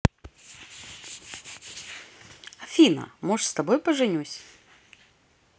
афина может с тобой поженюсь